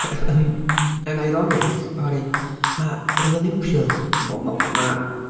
yym, yn ironic, oherwydd ma' rhyfel niwclear, w- wel ma', ma' 'na...